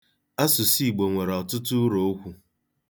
Asụsụ Igbo nwere ọtụtụ ụrookwu.